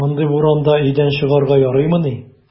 Мондый буранда өйдән чыгарга ярыймыни!